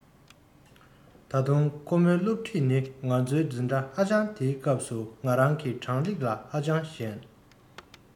ད དུང ཁོ མོའི སློབ ཁྲིད ནི ང ཚོའི འཛིན གྲྭ ཧ ཅང དེའི སྐབས སུ ང རང གྲངས རིག ལ ཧ ཅང ཞན